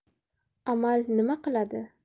amal nima qiladi